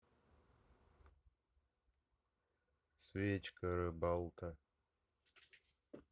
свечка рыбалка